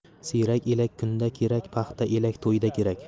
siyrak elak kunda kerak paxta elak to'yda kerak